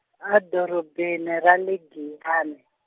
edorobeni ra le Giyani.